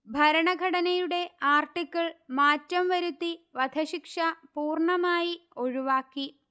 ഭരണഘടനയുടെ ആർട്ടിക്കിൾ മാറ്റം വരുത്തി വധശിക്ഷ പൂർണ്ണമായി ഒഴിവാക്കി